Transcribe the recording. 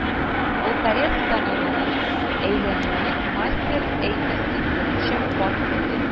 Болторез станогының әйләнүен мастер әйтерсең беренче кат күрде